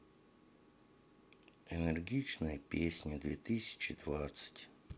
энергичная песня две тысячи двадцать